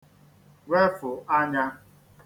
gwefụ̀ anya